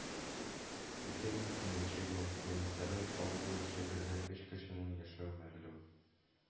2010 ел җанисәбен алу буенча биредә 3 кешенең яшәве мәгълүм